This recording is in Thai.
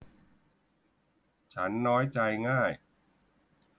ฉันน้อยใจง่าย